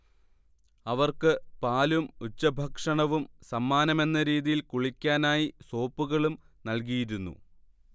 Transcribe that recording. അവർക്ക് പാലും ഉച്ചഭക്ഷണവും സമ്മാനമെന്ന രീതിയിൽ കുളിക്കാനായി സോപ്പുകളും നൽകിയിരുന്നു